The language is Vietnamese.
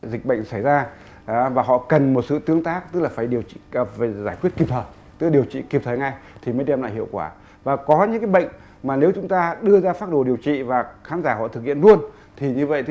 dịch bệnh xảy ra và họ cần một sự tương tác tức là phải điều chỉnh cập về giải quyết kịp thời đưa điều trị kịp thời ngay thì mới đem lại hiệu quả và có những bệnh mà nếu chúng ta đưa ra phác đồ điều trị và khán giả họ thực hiện luôn thì như vậy